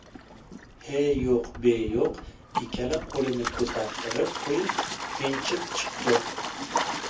he yo'q be yo'q ikkala qo'lini ko'tartirib qo'yib tintib chiqdi